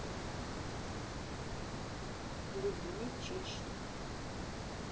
о любви чиж